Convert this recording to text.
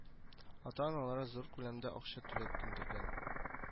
Ата-аналар зур күләмдә акча түләп күндергән